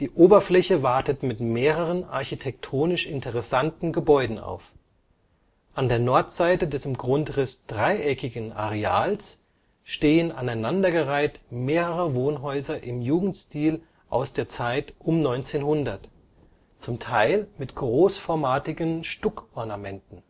Oberfläche wartet mit mehreren architektonisch interessanten Gebäuden auf: An der Nordseite des im Grundriss dreieckigen Areals stehen aneinandergereiht mehrere Wohnhäuser im Jugendstil aus der Zeit um 1900, zum Teil mit großformatigen Stuckornamenten